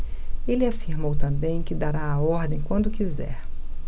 ele afirmou também que dará a ordem quando quiser